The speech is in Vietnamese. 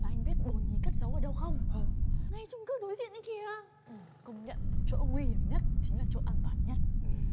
mà anh biết bồ nhí cất giấu ở đâu không ngay chung cư đối diện kia kìa công nhận chỗ nguy hiểm nhất chính là chỗ an toàn nhất